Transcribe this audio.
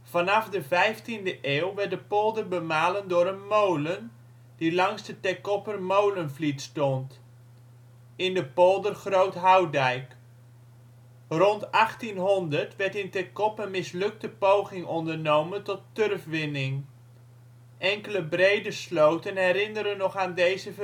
Vanaf de vijftiende eeuw werd de polder bemalen door een molen, die langs de Teckopper Molenvliet stond, in de polder Groot Houtdijk. Rond 1800 werd in Teckop een mislukte poging ondernomen tot turfwinning. Enkele brede sloten herinneren nog aan deze vervening